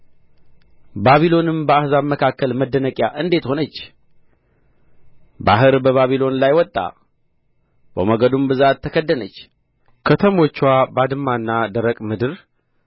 ባቢሎንም በአሕዛብ መካከል መደነቂያ እንዴት ሆነች ባሕር በባቢሎን ላይ ወጣ በሞገዱም ብዛት ተከደነች ከተሞችዋ ባድማና ደረቅ ምድር